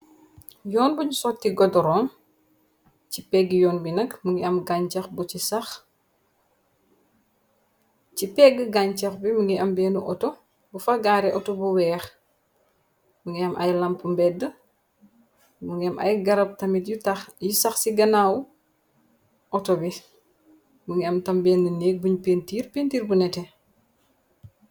Yoon buñu sotti godorom, ci pégg yoon bi nag mu ngi am gañchak bu chi sah ci pégg ganchak bi mu ngi am benn nu oto bu fa gaareh oto bu weeh. Mu ngi am ay lamp mbédd, mu ngi am ay garab tamit yu tah yi sah ci ganaaw oto bi. Mu ngi am tamit benn neegk buñ pintiir pintiir bu nete.